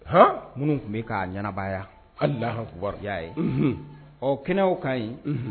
Minnu kun bi ka ɲanabaya baaya Alahu akibaru i ya ye ? ɔ kɛnɛ o ka yen